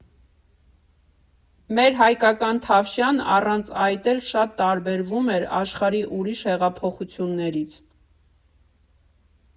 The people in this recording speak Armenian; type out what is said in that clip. Մեր հայկական թավշյան առանց այդ էլ շատ տարբերվում էր աշխարհի ուրիշ հեղափոխություններից։